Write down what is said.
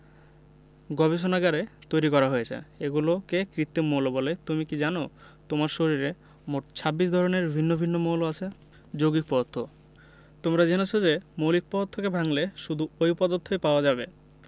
গবেষণাগারে তৈরি করা হয়েছে এগুলোকে কৃত্রিম মৌল বলে তুমি কি জানো তোমার শরীরে মোট ২৬ ধরনের ভিন্ন ভিন্ন মৌল আছে যৌগিক পদার্থ তোমরা জেনেছ যে মৌলিক পদার্থকে ভাঙলে শুধু ঐ পদার্থই পাওয়া যাবে